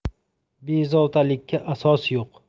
bezovtalikka asos yo'q